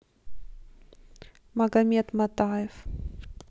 магомед матаев